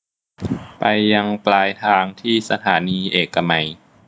ไปยังปลายทางที่สถานีเอกมัย